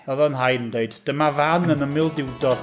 Fel oedd fy nhaid yn dweud "Dyma fan yn yml duwdod."